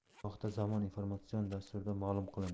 bu haqda zamon informatsion dasturida ma'lum qilindi